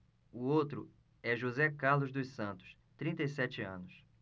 o outro é josé carlos dos santos trinta e sete anos